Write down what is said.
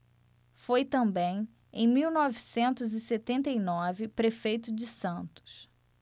foi também em mil novecentos e setenta e nove prefeito de santos